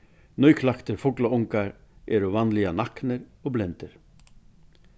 nýklaktir fuglaungar eru vanliga naknir og blindir